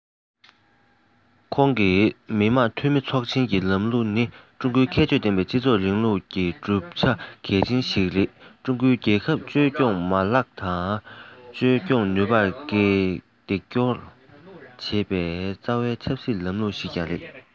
ཁོང གིས མི དམངས འཐུས མི ཚོགས ཆེན གྱི ལམ ལུགས ནི ཀྲུང གོའི ཁྱད ཆོས ཀྱི སྤྱི ཚོགས རིང ལུགས ལམ ལུགས ཀྱི གྲུབ ཆ གལ ཆེན ཞིག རེད ལ ཀྲུང གོའི རྒྱལ ཁབ བཅོས སྐྱོང མ ལག དང བཅོས སྐྱོང ནུས པར འདེགས སྐྱོར བྱེད པའི རྩ བའི ཆབ སྲིད ལམ ལུགས ཤིག ཀྱང རེད